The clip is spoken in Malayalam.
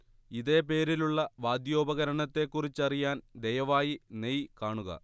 ഇതേ പേരിലുള്ള വാദ്യോപകരണത്തെക്കുറിച്ചറിയാൻ ദയവായി നെയ് കാണുക